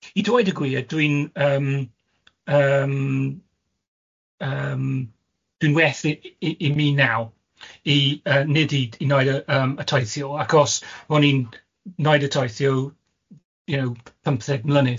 I dweud y gwir dwi'n yym yym yym dwi'n werth i i i mi naw i yy nid i i wnaud y yym y teithio, ac os o'n i'n wneud y teithio, you know, pymtheg mlynedd,